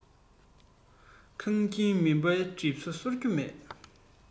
ཁང ཁྱིམ མུན པ གྲིབ སོ འཁོར རྒྱུ མེད